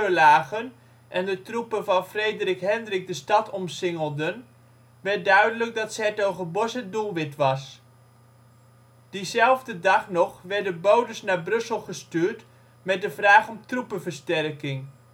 lagen en de troepen van Frederik Hendrik de stad omsingelden, werd duidelijk, dat ' s-Hertogenbosch het doelwit was. Dezelfde dag nog werden bodes naar Brussel gestuurd met de vraag om troepenversterking